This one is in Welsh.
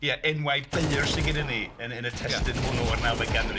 Ia enwau beirdd sy gennyn ni yn y yn y testun... ia. ...hwnnw o'r nawfed ganrif.